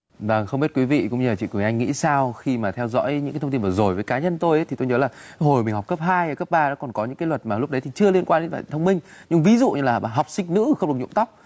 và không biết quý vị cũng như là chị quỳnh anh nghĩ sao khi mà theo dõi những thông tin vừa rồi với cá nhân tôi thì tôi nhớ là hồi học cấp hai cấp ba còn có những cái luật mà lúc đấy thì chưa liên quan đến điện thoại thông minh nhưng ví dụ như là học sinh nữ không được nhuộm tóc